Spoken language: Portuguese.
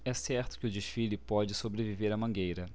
é certo que o desfile pode sobreviver à mangueira